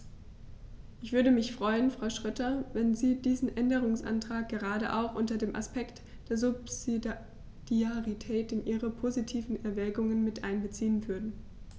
Ich würde mich freuen, Frau Schroedter, wenn Sie diesen Änderungsantrag gerade auch unter dem Aspekt der Subsidiarität in Ihre positiven Erwägungen mit einbeziehen würden.